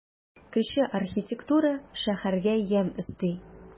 Кече архитектура шәһәргә ямь өсти.